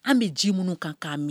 An bɛ ji minnu kan k'a mɛn